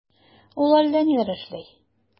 Ул әллә ниләр эшли...